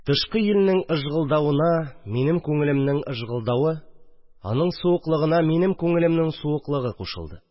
Тышкы йилнең ыжгылдавына минем күңелемнең ыжгылдавы, аның суыклыгына минем күңелемнең суыклыгы кушылды